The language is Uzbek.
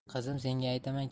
qizim senga aytaman